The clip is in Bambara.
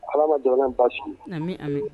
Ala ma jamana in ba su nka na bɛ a mɛn